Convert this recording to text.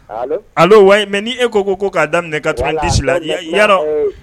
A wa mɛ' e ko ko k'a daminɛ ka disi la ya